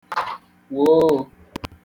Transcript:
wòo